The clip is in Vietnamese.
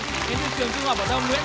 trường trung học phổ thông nguyễn